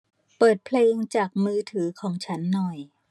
เปิดเพลงจากมือถือของฉันหน่อย